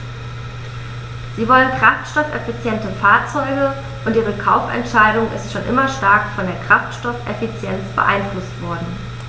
Sie wollen kraftstoffeffiziente Fahrzeuge, und ihre Kaufentscheidung ist schon immer stark von der Kraftstoffeffizienz beeinflusst worden.